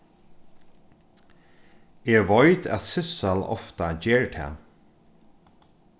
eg veit at sissal ofta ger tað